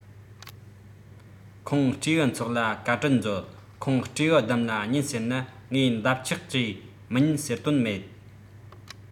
ཁོང སྤྲེའུའི ཚོགས ལ བཀའ འདྲི མཛོད ཁོང སྤྲེའུས སྡུམ ལ ཉན ཟེར ན ངེད འདབ ཆགས ཀྱིས མི ཉན ཟེར དོན མེད